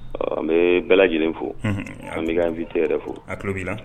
Ɔ an bɛ bɛɛ lajɛlen fo an ni ka an bi tɛ yɛrɛ fo a tulo b'i la